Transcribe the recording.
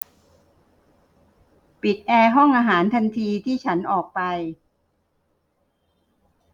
ปิดแอร์ห้องอาหารทันทีที่ฉันออกไป